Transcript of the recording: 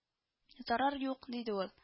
— зарар юк,— диде ул